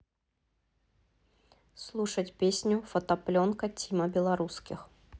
слушать песню фотопленка тима белорусских